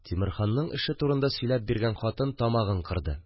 Тимерханның эше турында сөйләп биргән хатын тамагын кырды